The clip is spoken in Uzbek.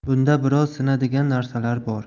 bunda biroz sinadigan narsalar bor